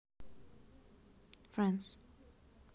france